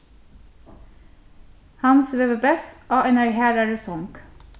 hann svevur best á einari harðari song